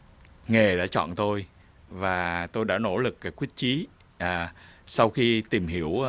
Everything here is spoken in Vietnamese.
nghề đã chọn tôi và tôi đã nỗ lực để quyết chí à sau khi tìm hiểu